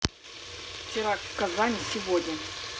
теракт в казани сегодня